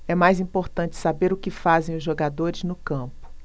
é mais importante saber o que fazem os jogadores no campo